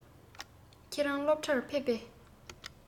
ཁྱེད རང སློབ གྲྭར ཕེབས པས